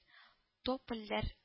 Топольләр